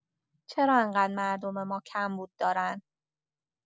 چرا انقدر مردم ما کمبود دارن؟